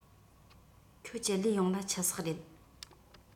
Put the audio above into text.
ཁྱོད ཀྱིས ལུས ཡོངས ལ ཆུ ཟེགས རེད